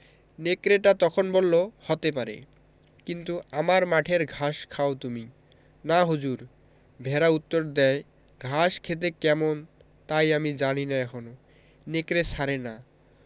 নেকড়েটা তখন বলে হতে পারে কিন্তু আমার মাঠের ঘাস খাও তুমি না হুজুর ভেড়া উত্তর দ্যায় ঘাস খেতে কেমন তাই আমি জানি না এখনো নেকড়ে ছাড়ে না